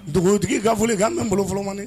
Dugutigi ka foli k'a folikan bɛ nbolo fɔlɔ